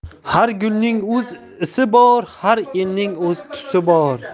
har gulning o'z isi bor har elning o'z tusi bor